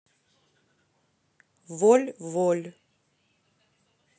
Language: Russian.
воль воль